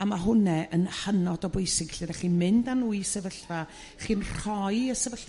a ma' hwnne yn hynod o bwysig lle 'dech chi'n mynd a nhw i sefyllfa chi'n rhoi y sefyllfa